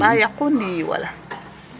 A mbaa yaqu ndi wala?